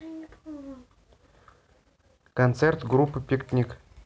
концерт группы пикник